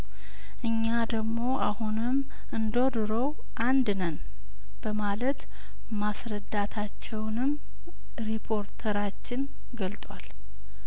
እኛ ደግሞ አሁንም እንደድሮው አንድ ነን በማለት ማስረዳታቸውንም ሪፖርተራችን ገልጧል